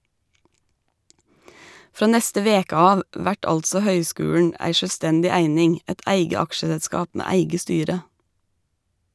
Frå neste veke av vert altså høgskulen ei sjølvstendig eining, eit eige aksjeselskap med eige styre.